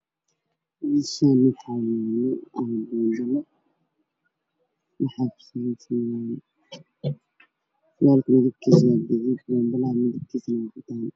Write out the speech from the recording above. Meeshani waxa yallo gobol ròdholo waxa ka loooyaala midabkiisu yahay cadaan